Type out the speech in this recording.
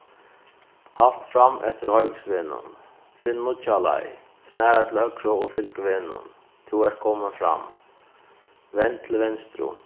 halt fram eftir hoyvíksvegnum finn nýggja leið snara til høgru og fylg vegnum tú ert komin fram vend til vinstru